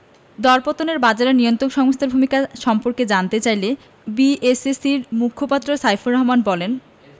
দরপতনের বাজারে নিয়ন্ত্রক সংস্থার ভূমিকা সম্পর্কে জানতে চাইলে বিএসইসির মুখপাত্র সাইফুর রহমান বলেন